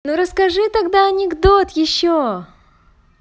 ну расскажи тогда анекдот еще